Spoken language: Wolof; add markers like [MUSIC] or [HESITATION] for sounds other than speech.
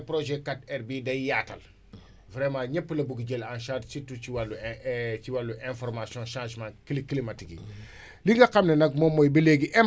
vraiment ñëpp la bëgg jël en charge surtout ci wàllu [HESITATION] ci wàllu information changement climatique yi [BREATH] li nga xam ne nag moom mooy ba léegi impact maanaam [HESITATION] jafe-jafe